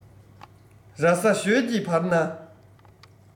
ར ས ཞོལ གྱི བར ན